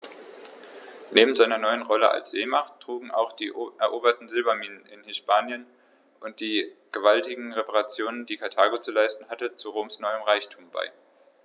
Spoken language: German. Neben seiner neuen Rolle als Seemacht trugen auch die eroberten Silberminen in Hispanien und die gewaltigen Reparationen, die Karthago zu leisten hatte, zu Roms neuem Reichtum bei.